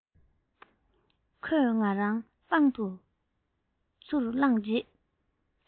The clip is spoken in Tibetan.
ཁོས ང རང པང དུ ཚུར བླངས རྗེས